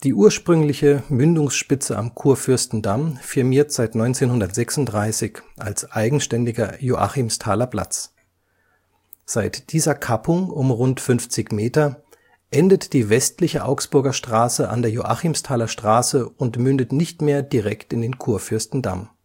ursprüngliche Mündungsspitze am Kurfürstendamm firmiert seit 1936 als eigenständiger Joachimsthaler Platz. Seit dieser Kappung um rund 50 Meter endet die westliche Augsburger Straße an der Joachimsthaler Straße und mündet nicht mehr direkt in den Kurfürstendamm